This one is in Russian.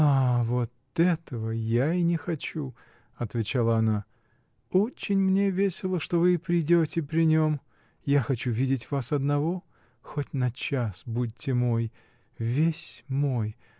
— А вот этого я и не хочу, — отвечала она, — очень мне весело, что вы придете при нем, — я хочу видеть вас одного: хоть на час будьте мой — весь мой.